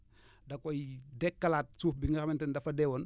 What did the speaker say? da koy dekkalaat suuf bi nga xamante ni dafa dee woon